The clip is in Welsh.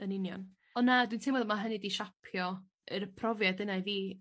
Yn union. Ond na dwi'n teimlo 'ma hynny 'di siapio yr profiad yna i fi.